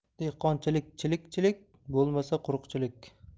dehqonchilik chilik chilik bo'lmasa quruqchilik